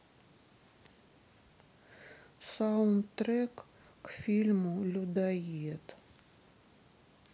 саундтрек к фильму людоед